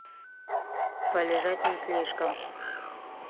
полежать на слишком